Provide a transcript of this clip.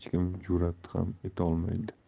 kim jur'at ham etolmaydi